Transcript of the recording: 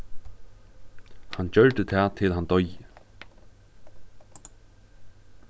hann gjørdi tað til hann doyði